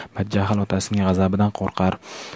badjahl otasining g'azabidan qo'rqar